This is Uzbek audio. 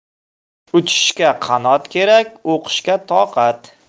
uchishga qanot kerak o'qishga toqat